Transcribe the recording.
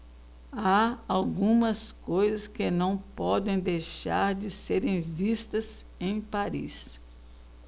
há algumas coisas que não podem deixar de serem vistas em paris